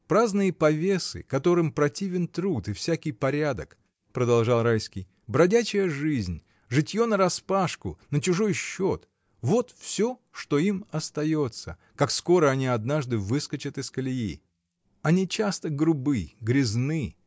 — Праздные повесы, которым противен труд и всякий порядок, — продолжал Райский, — бродячая жизнь, житье нараспашку, на чужой счет — вот всё, что им остается, как скоро они однажды выскочат из колеи. Они часто грубы, грязны